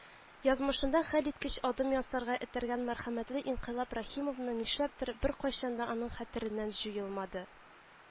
Язмышында хәлиткеч адым ясарга этәргән мәрхәмәтле Инкыйлаб Рәхимовна, нишләптер, беркайчан да аның хәтереннән җуелмады